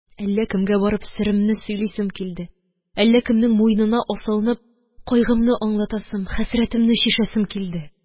Әллә кемгә барып серемне сөйлисем килде, әллә кемнең муенына асылынып кайгымны аңлатасым, хәсрәтемне чишәсем килде